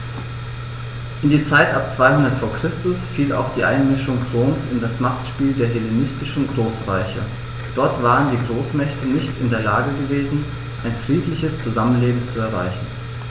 In die Zeit ab 200 v. Chr. fiel auch die Einmischung Roms in das Machtspiel der hellenistischen Großreiche: Dort waren die Großmächte nicht in der Lage gewesen, ein friedliches Zusammenleben zu erreichen.